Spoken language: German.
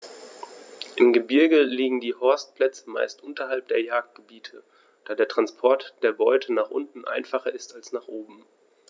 Im Gebirge liegen die Horstplätze meist unterhalb der Jagdgebiete, da der Transport der Beute nach unten einfacher ist als nach oben.